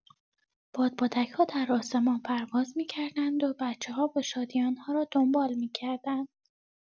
بادبادک‌ها در آسمان پرواز می‌کردند و بچه‌ها با شادی آن‌ها را دنبال می‌کردند.